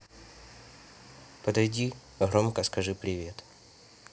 подойди громко скажи привет